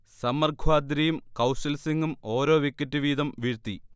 സമർ ഖ്വാദ്രയും കൗശൽ സിങ്ങും ഓരോ വിക്കറ്റ് വീതം വീഴ്ത്തി